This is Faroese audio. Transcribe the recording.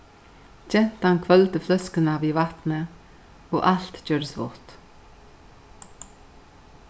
gentan hvølvdi fløskuna við vatni og alt gjørdist vátt